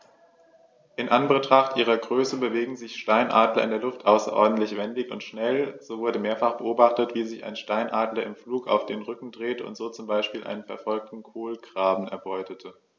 In Anbetracht ihrer Größe bewegen sich Steinadler in der Luft außerordentlich wendig und schnell, so wurde mehrfach beobachtet, wie sich ein Steinadler im Flug auf den Rücken drehte und so zum Beispiel einen verfolgenden Kolkraben erbeutete.